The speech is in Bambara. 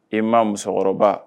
E ma musokɔrɔba